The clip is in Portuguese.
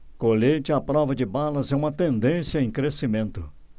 colete à prova de balas é uma tendência em crescimento